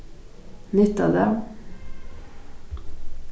nyttar tað